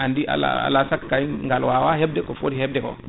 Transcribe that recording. andi ala ala saggo kay ngal wawa hebde ko foti hebde ko